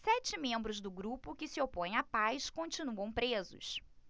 sete membros do grupo que se opõe à paz continuam presos